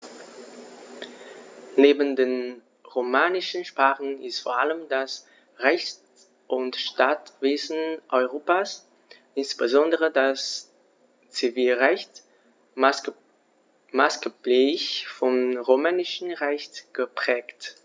Neben den romanischen Sprachen ist vor allem das Rechts- und Staatswesen Europas, insbesondere das Zivilrecht, maßgeblich vom Römischen Recht geprägt.